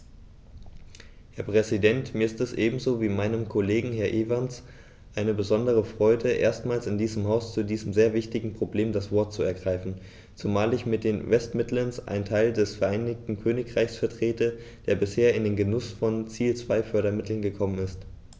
Herr Präsident, mir ist es ebenso wie meinem Kollegen Herrn Evans eine besondere Freude, erstmals in diesem Haus zu diesem sehr wichtigen Problem das Wort zu ergreifen, zumal ich mit den West Midlands einen Teil des Vereinigten Königreichs vertrete, der bisher in den Genuß von Ziel-2-Fördermitteln gekommen ist.